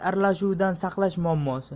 aralashuvidan saqlash muammosi